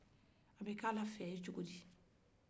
a bɛ kɛ a la fiɲɛ ye cogodi